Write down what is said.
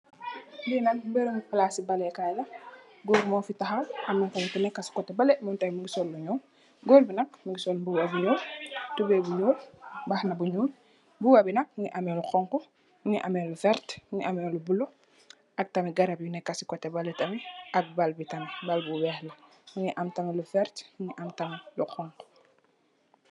Fi nak barabi palasi bal lee Kay la, gór mo fii taxaw am na tam ku nekka ci koteh baleh mum tam mu sol lu ñuul. Gór bi nak mugii sol mbuba bu ñuul, tubay bu ñuul, mbàxna bu ñuul, mbuba bi nak mugii ameh lu xonxu mugii, mugii ameh lu werta, mugii ameh lu bula ak tamid garap yu nekka ci koteh baleh tamid ak ball bi tamid ball bu wèèx la mugii am tamit lu werta mugii am tamit lu xonxu.